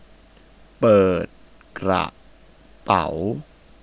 เปิดกระเป๋า